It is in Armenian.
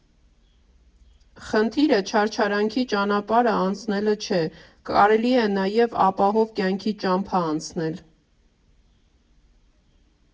֊ Խնդիրը չարչարանքի ճանապարհ անցնելը չէ, կարելի է նաև ապահով կյանքի ճամփա անցնել։